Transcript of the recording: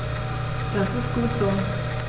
Das ist gut so.